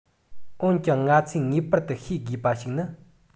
འོན ཀྱང ང ཚོས ངེས པར དུ ཤེས དགོས པ ཞིག ནི